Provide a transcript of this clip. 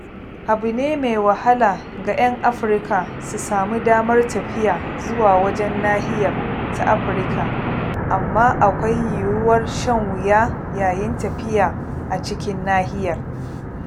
Abu ne mai wahala ga 'yan Afirka su samu damar tafiya zuwa wajen nahiyar ta Afirka - amma akwai yiwuwar shan wuya yayin tafiya a cikin nahiyar.